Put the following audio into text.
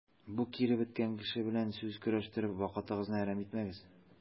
Бу киребеткән кеше белән сүз көрәштереп вакытыгызны әрәм итмәгез.